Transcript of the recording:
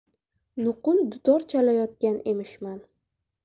nuqul dutor chalayotgan emishman